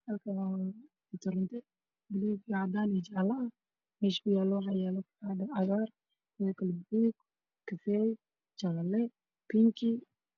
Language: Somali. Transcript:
Meeshaan waxaa ka muuqdo labo dhalo oo buluug furkoodu waa cadaan